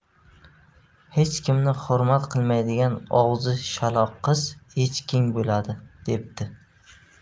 hech kimni hurmat qilmaydigan og'zi shaloq qiz echking bo'ladi debdi